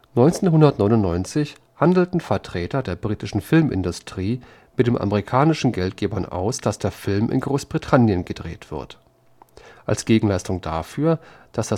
1999 handelten Vertreter der britischen Filmindustrie mit den amerikanischen Geldgebern aus, dass der Film in Großbritannien gedreht wird. Als Gegenleistung dafür, dass